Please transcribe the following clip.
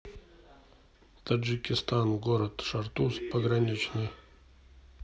таджикистан город шаартуз пограничный